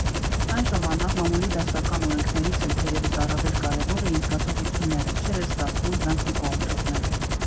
Այն ժամանակ մամուլի դասական օրենքներից էլ թերևս առավել կարևոր էին զգացողությունները, չէր էլ ստացվում դրանք մի կողմ թողնել։